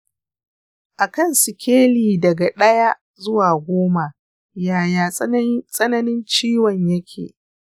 a kan sikeli daga ɗaya zuwa goma, yaya tsananin ciwon yake?